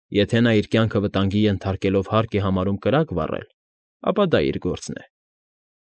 Եթե նա իր կյանքը վտանգի ենթարկելով հարկ է համարում կրակ վառել, ապա դա իր գործն է։